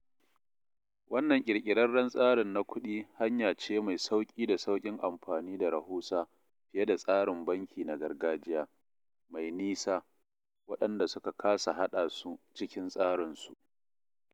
Wannan ƙirƙirarren tsarin na kuɗi hanya ce mai sauƙi da sauƙin amfani da rahusa fiye da tsarin banki na gargajiya, mai 'nisa' waɗanda suka kasa haɗa su cikin tsarin su.